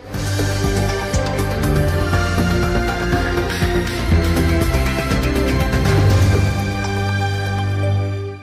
Maa